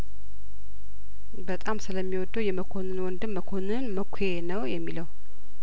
በጣም ስለሚወደው የመኮንን ወንድም መኮንንን መኳ ነው የሚለው